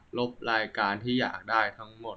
ลบรายการที่อยากได้ทั้งหมด